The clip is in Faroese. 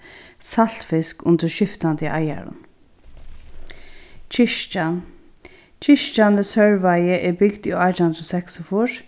saltfisk undir skiftandi eigarum kirkjan kirkjan í sørvági er bygd í átjan hundrað og seksogfýrs